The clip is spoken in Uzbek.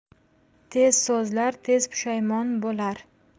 tez so'zlar tez pushaymon bo'lar